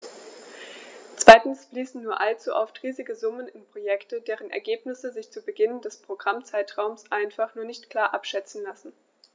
Zweitens fließen nur allzu oft riesige Summen in Projekte, deren Ergebnisse sich zu Beginn des Programmzeitraums einfach noch nicht klar abschätzen lassen.